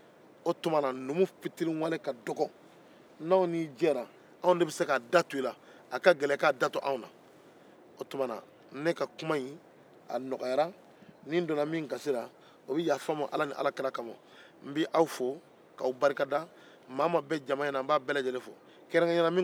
mɔgɔ o mɔgɔ bɛ jama in na n b'a bɛɛ lajɛnen fo kɛrɛnkɛrɛnnenya la n bɛ n kɔrɔkɔkɛ fo hamidu sinayoko